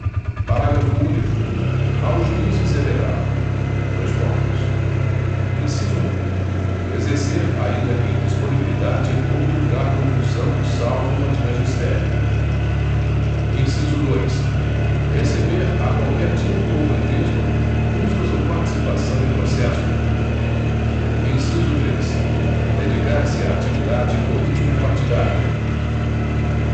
parágrafo único aos juízes é vedado dois pontos inciso um exercer ainda que em disponibilidade outro cargo ou função salvo uma de magistério inciso dois receber a qualquer título ou pretexto custas ou participação em processo inciso três dedicar se a atividade político partidária